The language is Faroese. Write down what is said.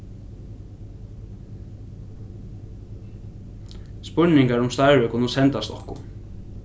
spurningar um starvið kunnu sendast okkum